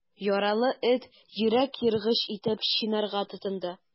Яралы эт йөрәк яргыч итеп чинарга тотынды.